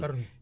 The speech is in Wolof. par nuit